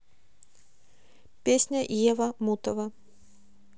песня ева мутова